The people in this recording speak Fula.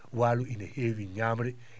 waalo ine heewi ñaamre